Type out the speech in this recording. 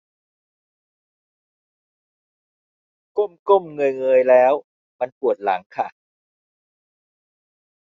ก้มก้มเงยเงยแล้วมันปวดหลังค่ะ